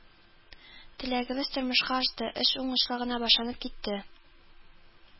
Теләгебез тормышка ашты эш уңышлы гына башланып китте